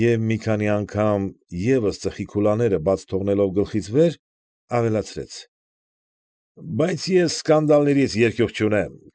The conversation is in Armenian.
Եվ, մի քանի անգամ ևս ծխի քուլաները բաց թողնելով գլխից վեր, ավելացրեց. ֊ Բայց ես սկանդալների երկյուղ չունեմ։